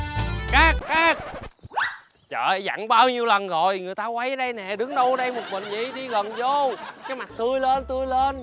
cắt cắt trời dặn bao nhiêu lần rồi người ta quay ở đây nè đứng đâu đây một mừn vậy đi gần vô cái mặt tươi lên tươi lên